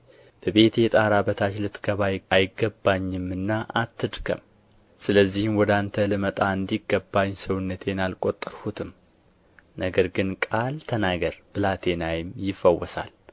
በቤቴ ጣራ በታች ልትገባ አይገባኝምና አትድከም ስለዚህም ወደ አንተ ልመጣ እንዲገባኝ ሰውነቴን አልቈጠርሁትም ነገር ግን ቃል ተናገር ብላቴናዬም ይፈወሳል